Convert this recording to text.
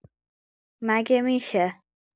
مگه می‌شه